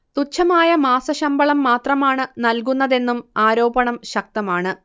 തുച്ഛമായ മാസശമ്പളം മാത്രമാണ് നൽകുന്നതെന്നും ആരോപണം ശക്തമാണ്